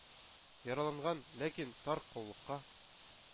Яраланган, ләкин тар коллыкка